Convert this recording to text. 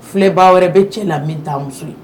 Fiba wɛrɛ bɛ cɛ la min taa muso ye